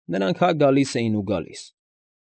Նրանք հա գալիս էին ու գալիս։